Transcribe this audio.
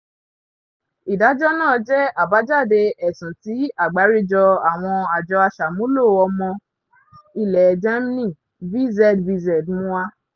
Ìdájọ́ náà jẹ́ àbájáde ẹ̀sùn tí Àgbáríjọ àwọn àjọ aṣàmúlò ọmọ ilẹ̀ Germany, VZBZ mú wá